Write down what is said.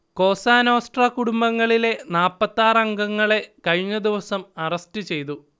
Cosa Nostra കുടുംബങ്ങളിലെ നാല്പത്തിയാറ്‌ അംഗങ്ങളെ കഴിഞ്ഞദിവസം അറസ്റ്റ് ചെയ്തു